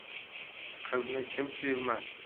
qizni kim sevmas